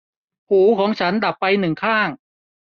หูของฉันดับไปหนึ่งข้าง